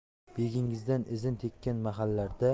begingizdan izn tekkan mahallarda